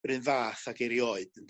'r un fath ac erioed